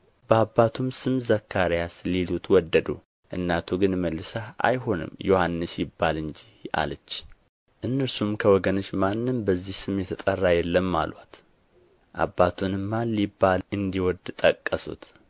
በአባቱም ስም ዘካርያስ ሊሉት ወደዱ እናቱ ግን መልሳ አይሆንም ዮሐንስ ይባል እንጂ አለች እነርሱም ከወገንሽ ማንም በዚህ ስም የተጠራ የለም አሉአት አባቱንም ማን ሊባል እንዲወድ ጠቀሱት